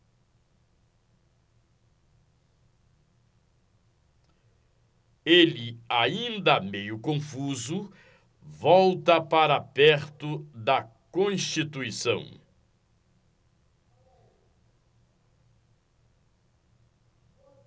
ele ainda meio confuso volta para perto de constituição